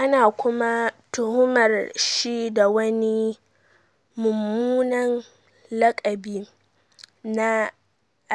Ana kuma tuhumar shi da wani mummunan lakabi na